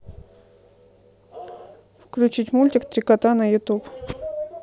включить мультик три кота на ютуб